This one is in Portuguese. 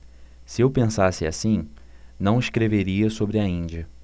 se eu pensasse assim não escreveria sobre a índia